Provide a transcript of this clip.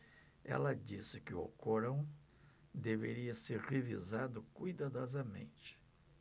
ela disse que o alcorão deveria ser revisado cuidadosamente